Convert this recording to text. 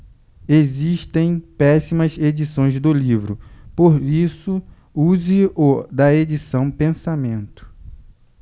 existem péssimas edições do livro por isso use o da edição pensamento